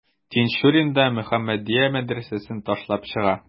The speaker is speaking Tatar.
Тинчурин да «Мөхәммәдия» мәдрәсәсен ташлап чыга.